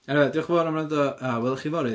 eniwe diolch yn fawr am wrando. A wela i chi fory.